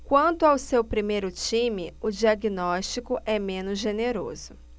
quanto ao seu próprio time o diagnóstico é menos generoso